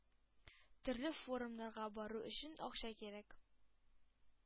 Төрле форумнарга бару өчен акча кирәк,